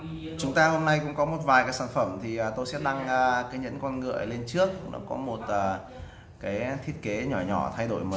chúng ta hôm nay có vài sản phẩm tôi sẽ đăng nhẫn con ngựa lên trước nó có một cái thiết kế thay đổi nho nhỏ